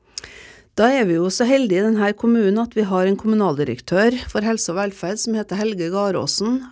da er vi jo så heldige i den her kommunen at vi har en kommunaldirektør for helse og velferd som heter Helge Garåsen.